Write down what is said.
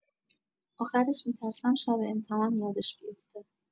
اخرش می‌ترسم شب امتحان یادش بیوفته